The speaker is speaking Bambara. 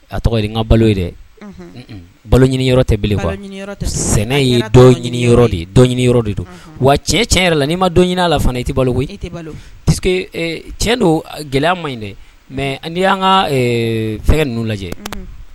A tɔgɔ i n ka balo ye dɛ balo ɲini yɔrɔ tɛ belefɔ sɛnɛ ye yɔrɔ de ɲinin yɔrɔ de don wa cɛ tiɲɛ yɛrɛ la nii ma dɔn ɲinin la fana i tɛ balo i tɛ tiɲɛ don gɛlɛya ma ɲi dɛ mɛ n y' ka fɛn ninnu lajɛ